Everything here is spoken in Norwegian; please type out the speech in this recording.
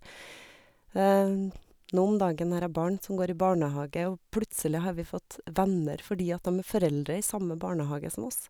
Nå om dagen har jeg barn som går i barnehage, og plutselig har vi fått venner fordi at dem er foreldre i samme barnehage som oss.